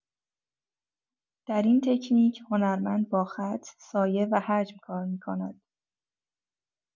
در این تکنیک، هنرمند با خط، سایه و حجم کار می‌کند.